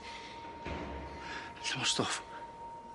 Lle ma'r stwff?